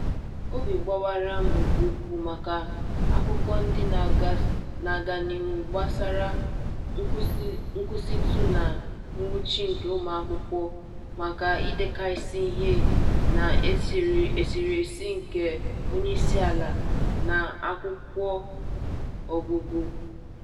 Obi gbawara m nke ukwuu maka akụkọ ndị na-aga n'ihu gbasara nkwụsịtụ na nwụchi nke ụmụakwụkwọ maka idekasị ihe n'eserese nke onyeisiala n'akwụkwọ ọgụgụ.